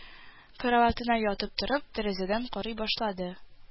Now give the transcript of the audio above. Караватына ятып торып, тәрәзәдән карый башлады